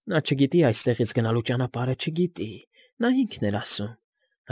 Նա չ֊չ֊չգիտի այս֊ս֊ստեղից գնալու ճանապարհը, չ֊չ֊չգիտի, նա ինքն էր ասում։